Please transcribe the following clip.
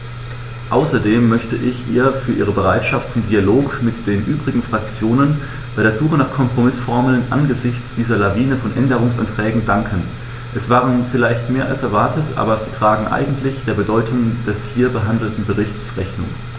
Außerdem möchte ich ihr für ihre Bereitschaft zum Dialog mit den übrigen Fraktionen bei der Suche nach Kompromißformeln angesichts dieser Lawine von Änderungsanträgen danken; es waren vielleicht mehr als erwartet, aber sie tragen eigentlich der Bedeutung des hier behandelten Berichts Rechnung.